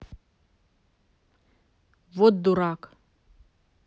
вот дурак